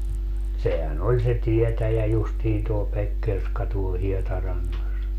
sehän oli se tietäjä justiin tuo Pekkerska tuolla Hietarannassa